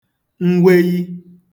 mweyi